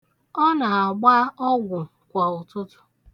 Ọ na-agba ọgwụ kwa ụtụtụ.